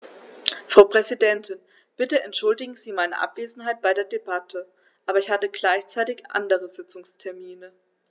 Frau Präsidentin, bitte entschuldigen Sie meine Abwesenheit bei der Debatte, aber ich hatte gleichzeitig andere Sitzungstermine.